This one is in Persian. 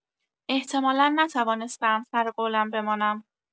احتمالا نتوانسته‌ام سر قولم بمانم.